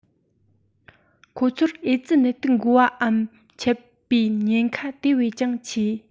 ཁོ ཚོར ཨེ ཙི ནད དུག འགོ བའམ མཆེད པའི ཉེན ཁ དེ བས ཀྱང ཆེ